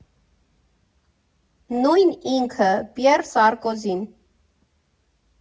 Նույն ինքը՝ Պյեռ Սարկոզին։